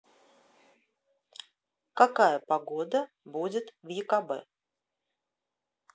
какая погода будет в екб